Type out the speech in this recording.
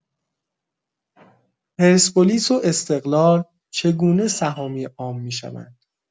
پرسپولیس و استقلال چگونه سهامی عام می‌شوند؟